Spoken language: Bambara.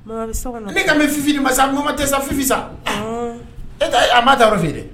Ne ka fiinin masa sa koma tɛ sa fi sa e a ma da yɔrɔ fɛ dɛ